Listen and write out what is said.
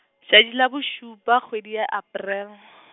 tšatši la bošupa kgwedi ya April .